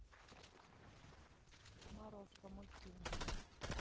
морозко мультфильм